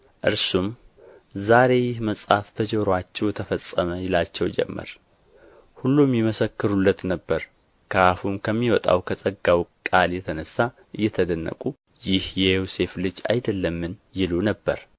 እርሱም ዛሬ ይህ መጽሐፍ በጆሮአችሁ ተፈጸመ ይላቸው ጀመር ሁሉም ይመሰክሩለት ነበር ከአፉም ከሚወጣው ከጸጋው ቃል የተነሣ እየተደነቁ ይህ የዮሴፍ ልጅ አይደለምን ይሉ ነበር